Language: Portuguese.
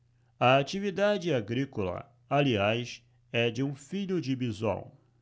a atividade agrícola aliás é de um filho de bisol